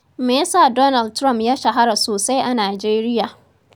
Me ya sa Donald Trump ya shahara sosai a Nijeriya?